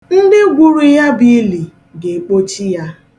Ndị gwuru ya bụ ili ga-ekpochi ya.